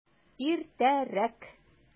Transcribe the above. Иртәрәк!